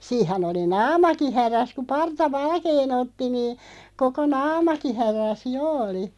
siinähän oli naamakin hädässä kun parta valkean otti niin koko naamakin hädässä jo oli